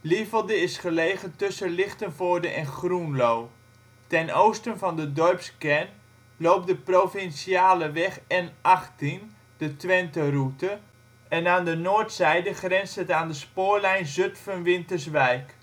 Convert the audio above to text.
Lievelde is gelegen tussen Lichtenvoorde en Groenlo. Ten oosten van de dorpskern loopt de provinciale weg N18 (Twenteroute) en aan de noordzijde grenst het aan de spoorlijn Zutphen - Winterswijk.